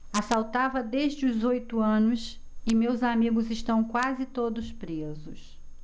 assaltava desde os oito anos e meus amigos estão quase todos presos